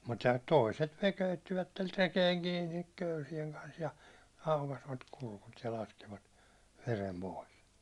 mutta toiset ne köyttivät rekeen kiinni köysien kanssa ja aukaisivat kurkut ja laskivat veren pois